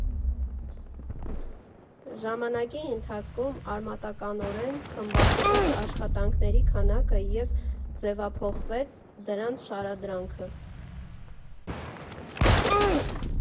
Ժամանակի ընթացքում արմատականորեն խմբագրվեց աշխատանքների քանակը և ձևափոխվեց դրանց շարադրանքը։